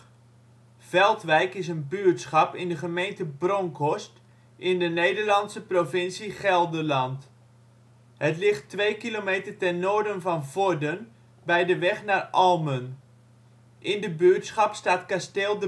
Veldwijk is een buurtschap in de gemeente Bronckhorst in de Nederlandse provincie Gelderland. Het ligt twee kilometer ten noorden van Vorden bij de weg naar Almen. In de buurtschap staat Kasteel